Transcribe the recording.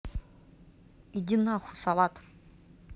иди нахуй салат